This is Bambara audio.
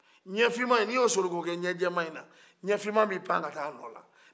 ɲɛfinma in ni i y'o soli ka kɛ ɲɛdiyɛma in na ɲɛfinma bɛ a pan ka taga a nɔna